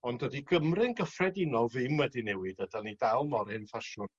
Ond dydi Gymry'n gyffredinol ddim wedi newid a 'dan ni dal mor hyn ffasiwn.